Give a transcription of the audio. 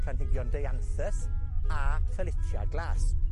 planhigion Dianthus a Ffelitia Glas.